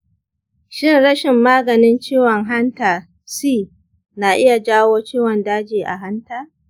shin rashin maganin ciwon hanta c na iya jawo ciwon daji a hanta?